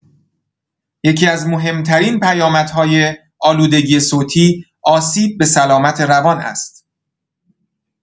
یکی‌از مهم‌ترین پیامدهای آلودگی صوتی، آسیب به سلامت روان است.